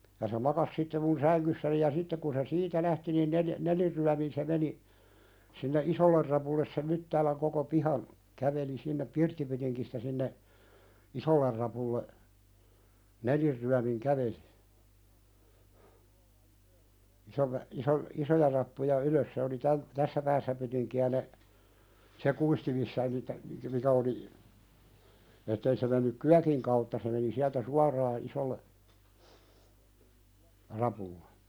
ja se makasi sitten minun sängyssäni ja sitten kun se siitä lähti niin neljä nelinryömin se meni sinne isolle rapulle sen Myttäälän koko pihan käveli sinne pirttipytingistä sinne isolle rapulle nelinryömin käveli isolle iso isoja rappuja ylös se oli - tässä päässä pytinkiä ne se kuisti missä niitä mikä oli että ei se mennyt kyökin kautta se meni sieltä suoraan isolle rapulle